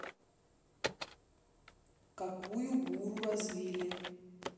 какую гуру развили